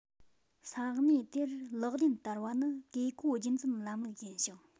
ས གནས དེར ལག ལེན བསྟར བ ནི བཀས བཀོད རྒྱུད འཛིན ལམ ལུགས ཡིན ཞིང